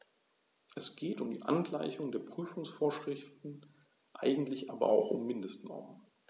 Es geht um die Angleichung der Prüfungsvorschriften, eigentlich aber auch um Mindestnormen.